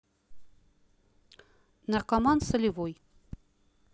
наркоман солевой